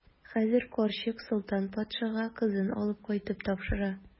Хәзер карчык Солтан патшага кызын алып кайтып тапшыра.